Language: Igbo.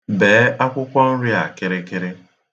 Bee akwụkwọ nri a kịrịkịrị.